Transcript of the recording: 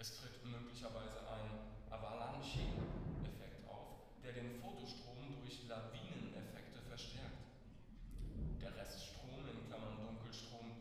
tritt möglicherweise ein Avalanche-Effekt auf, der den Photostrom durch Lawineneffekte verstärkt. der Reststrom (Dunkelstrom